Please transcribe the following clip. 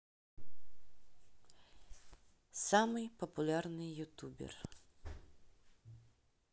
самый популярный ютубер